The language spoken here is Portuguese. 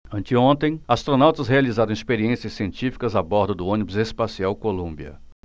anteontem astronautas realizaram experiências científicas a bordo do ônibus espacial columbia